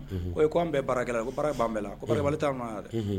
O ko an bɛɛ baara gɛlɛnla ko bara ban bɛɛ kobali taa nɔ yan dɛ